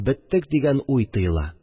Беттек» дигән уй тоела